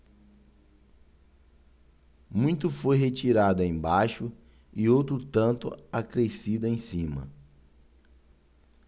muito foi retirado embaixo e outro tanto acrescido em cima